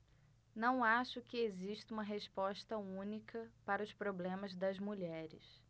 não acho que exista uma resposta única para os problemas das mulheres